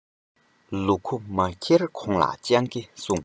ལུ གུ མ འཁྱེར གོང ལ སྤྱང ཀི སྲུངས